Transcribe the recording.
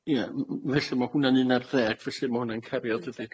Ia m- m- felly ma' hwnna'n un ar ddeg, felly ma' hwnna'n cario dydi?